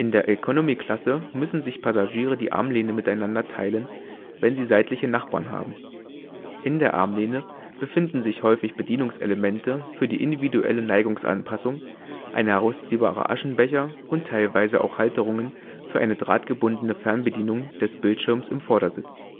der Economy-Klasse müssen sich Passagiere die Armlehne miteinander teilen, wenn sie seitliche Nachbarn haben. In der Armlehne befinden sich häufig Bedienungselemente für die individuelle Neigungsanpassung, ein herausziehbarer Aschenbecher und teilweise auch Halterungen für eine drahtgebundene Fernbedienung des Bildschirms im Vordersitz